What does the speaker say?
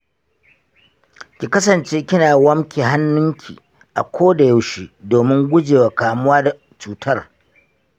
ki kasance kina wamke hannun ki a koda yaushe domin gujewa kamuwa da cutar.